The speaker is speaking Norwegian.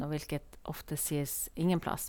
Og hvilket ofte sies ingen plass.